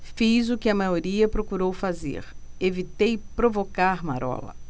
fiz o que a maioria procurou fazer evitei provocar marola